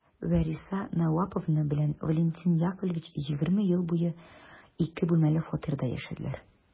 Вәриса Наваповна белән Валентин Яковлевич егерме ел буе ике бүлмәле фатирда яшәделәр.